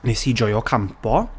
Wnes i joio campo.